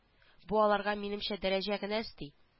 Бу аларга минемчә дәрәҗә генә өсти